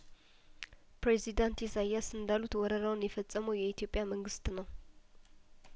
ፕሬዚዳንት ኢሳይያስ እንዳሉት ወረራውን የፈጸመው የኢትዮጵያ መንግስት ነው